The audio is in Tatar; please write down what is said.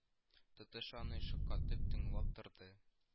Тотыш аны шаккатып тыңлап торды